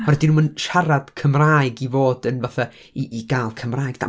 Oherwydd 'dyn nhw'm yn siarad Cymraeg i fod yn, fatha, i- i gael Cymraeg da...